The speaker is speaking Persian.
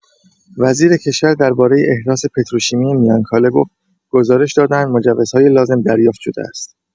وزیر کشور درباره احداث پتروشیمی میانکاله گفت: گزارش داده‌اند مجوزهای لازم دریافت شده است.